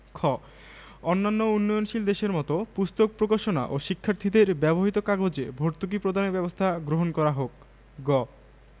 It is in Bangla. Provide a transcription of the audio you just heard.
সংগৃহীত শামসুর রাহমানের স্মৃতির শহর এর অংশবিশেষ প্রকাশকঃ চট্টগ্রাম শিশু সাহিত্য বিতান ১৩৮৬ বঙ্গাব্দ পৃষ্ঠা ২০ ২১